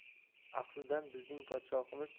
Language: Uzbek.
axsidan bizning podshomiz